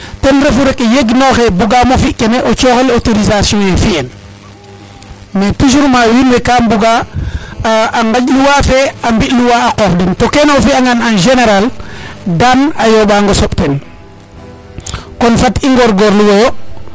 ten refu ye rek yeg noxe buga mo fi kene coxel autorisation ye fiyen mais toujours maga wiin we ga mbuga a ŋaƴ loi fe a fi loi a qoox den to kene o fi angaan en général dan a yomba ngo soɓ ten